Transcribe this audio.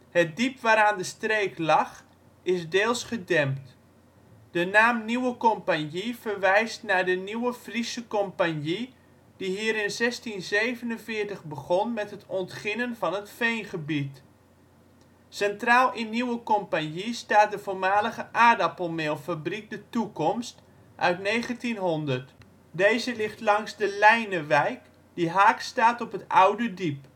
Het diep waaraan de streek lag is deels gedempt. De naam Nieuwe Compagnie verwijst naar de Nieuwe Friesche Compagnie, die hier in 1647 begon met het ontginnen van het veengebied. Centraal in Nieuwe Compagnie staat de voormalige aardappelmeelfabriek De Toekomst uit 1900. Deze ligt langs de Leinewijk die haaks staat op het oude diep